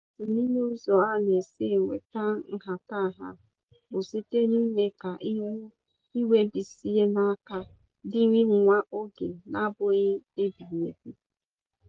Otu n'ime ụzọ a na-esi enweta nhatanha a bụ site n'ime ka iwu nnwebeisinka dịrị nwa oge na-abụghị ebighịebi.